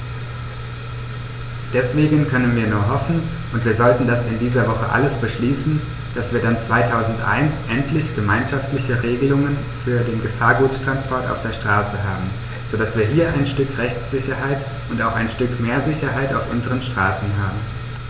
Deswegen können wir nur hoffen - und wir sollten das in dieser Woche alles beschließen -, dass wir dann 2001 endlich gemeinschaftliche Regelungen für den Gefahrguttransport auf der Straße haben, so dass wir hier ein Stück Rechtssicherheit und auch ein Stück mehr Sicherheit auf unseren Straßen haben.